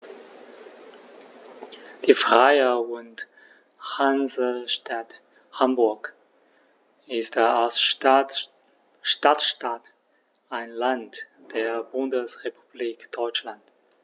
Die Freie und Hansestadt Hamburg ist als Stadtstaat ein Land der Bundesrepublik Deutschland.